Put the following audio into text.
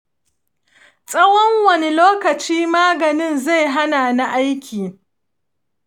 tsawon wane lokaci maganin zai hana ni aiki?